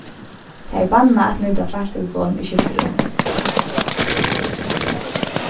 tað er bannað at nýta fartelefon í skiftirúminum